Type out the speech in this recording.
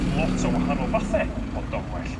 lot o wahanol fathe o domwell